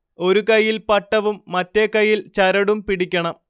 ഒരു കൈയ്യിൽ പട്ടവും മറ്റേ കൈയിൽ ചരടും പിടിക്കണം